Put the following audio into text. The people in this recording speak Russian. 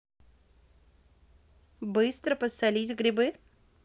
быстро посолить грибы